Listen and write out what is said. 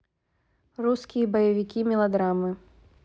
русские боевики мелодрамы